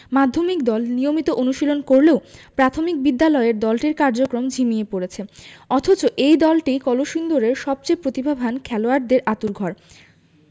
মাধ্যমিক দল নিয়মিত অনুশীলন করলেও প্রাথমিক বিদ্যালয়ের দলটির কার্যক্রম ঝিমিয়ে পড়েছে অথচ এই দলটিই কলসিন্দুরের সবচেয়ে প্রতিভাবান খেলোয়াড়দের আঁতুড়ঘর